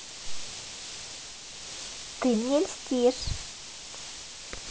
ты мне льстишь